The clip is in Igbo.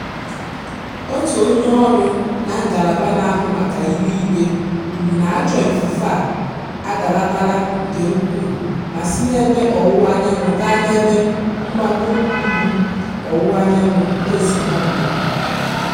Otu onye ọrụ na Ngalaba na-ahụ Maka Ihuigwe kwuru na ajọ ifufe a adalatala nke ukwuu ma si n'ebe ọwụwaanyanwụ gaa n'ebe mgbagougwu ọwụwaanyanwụ nke Zimbabwe.